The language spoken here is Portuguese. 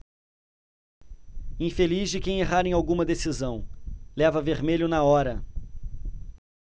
infeliz de quem errar em alguma decisão leva vermelho na hora